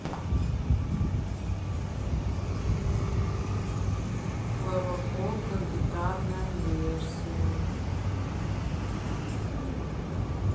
клава кока гитарная версия